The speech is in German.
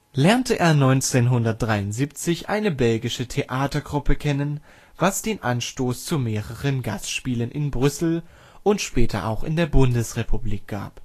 lernte er 1973 eine belgische Theatertruppe kennen, was den Anstoß zu mehreren Gastspielen in Brüssel, und später auch in der Bundesrepublik gab